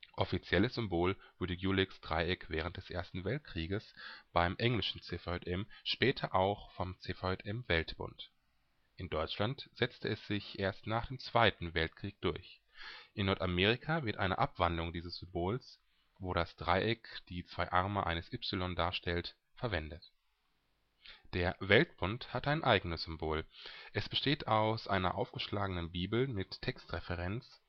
Offizielles Symbol wurde Gulicks Dreieck während des Ersten Weltkrieges beim englischen CVJM, später auch vom CVJM-Weltbund. In Deutschland setzte es sich erst nach dem Zweiten Weltkrieg durch. In Nordamerika wird eine Abwandlung dieses Symbols, wo das Dreieck die zwei Arme eines „ Y “darstellt, verwendet. Der Weltbund hat ein eigenes Symbol. Es besteht aus der aufgeschlagenen Bibel mit Textreferenz